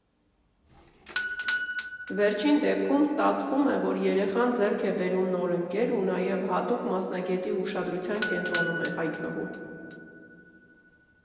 Վերջին դեպքում, ստացվում է, որ երեխան ձեռք է բերում նոր ընկեր ու նաև հատուկ մասնագետի ուշադրության կենտրոնում է հայտնվում։